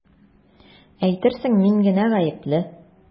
Әйтерсең мин генә гаепле!